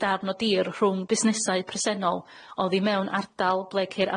darn o dir rhwng busnesau presennol oddi mewn ardal ble ceir